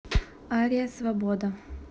ария свобода